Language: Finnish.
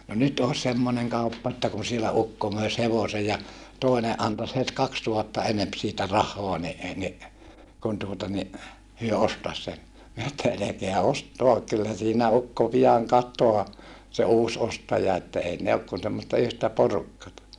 no nyt olisi semmoinen kauppa että kun siellä ukko möisi hevosen ja toinen antaisi heti kaksituhatta enempi siitä rahaa niin - niin kun tuota niin he ostaisi sen minä että älkää ostako kyllä siinä ukko pian katoaa se uusi ostaja että ei ne ole kuin semmoista yhtä porukkaa